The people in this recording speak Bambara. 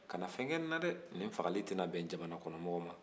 kana fɛn kɛ nin na dɛ nin fagali tɛna bɛn jamana kɔnɔmɔgɔw ma